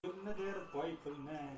qizlar gulni der boy pulni